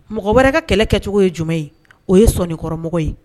Mɔgɔ bɛ ka kɛlɛ kɛcogo ye jumɛn ye o ye sɔnikɔrɔmɔgɔ ye